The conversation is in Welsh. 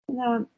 Na.